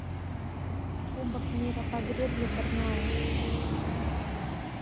кубок мира по гребле барнаул